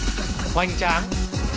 hoành tráng